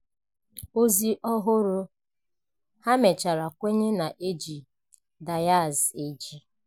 [Ozi Ọhụrụ: ha mechara kwenye na e ji Diaz eji]